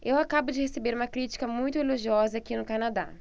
eu acabo de receber uma crítica muito elogiosa aqui no canadá